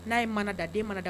Na ye manan dan , den mana da